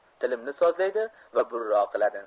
tilimni sozlaydi va burro qiladi